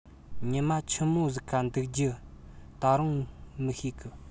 ཉི མ ཆི མོ ཟིག ག འདུག རྒྱུའོ ད རུང མི ཤེས གི